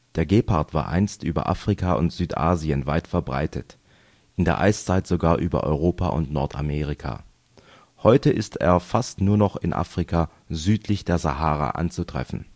Der Gepard war einst über Afrika und Südasien weit verbreitet, in der Eiszeit sogar über Europa und Nordamerika. Heute ist er fast nur noch in Afrika südlich der Sahara anzutreffen